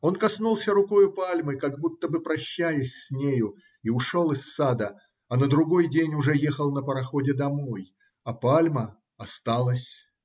Он коснулся рукою пальмы, как будто бы прощаясь с нею, и ушел из сада, а на другой день уже ехал на пароходе домой. А пальма осталась.